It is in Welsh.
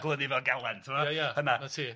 Glynu fel galen timo'. Ia ia. Fel 'na. 'Na ti.